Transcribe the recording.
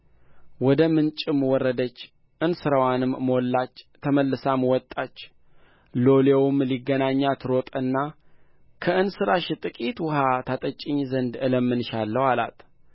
ወደ ምንጭም ወረደች እንስራዋንም ሞላች ተመልሳም ወጣች ሎሌውም ሊገናኛት ሮጠና ከእንስራሽ ጥቂት ውኃ ታጠጪኝ ዘንድ እለምንሻለሁ አላት